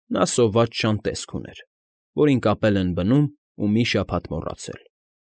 Նա սոված շան տեսք ուներ, որին կապել են բնում ու մի շաբաթ մոռացել։